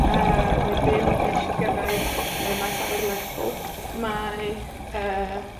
A wedyn nesh i gyrraedd y maes awyr Lerpwl. Mae yy